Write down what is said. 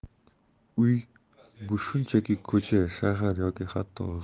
uy bu shunchaki ko'cha shahar yoki hatto